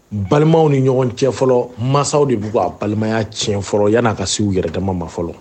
Balimaw ni ɲɔgɔn cɛ fɔlɔ mansaw de b' a balimaya cɛn fɔlɔ yan n'a ka se u yɛrɛ dama ma fɔlɔ